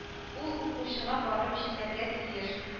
Ул укучыга барып җитәргә тиеш